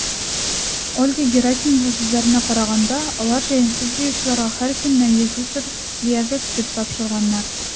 Ольга Герасимова сүзләренә караганда, алар җәен сөт җыючыларга һәркөнне 100 литр диярлек сөт тапшырганнар.